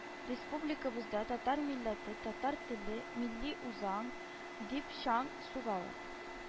Республикабызда «татар милләте», «татар теле», «милли үзаң» дип чаң сугалар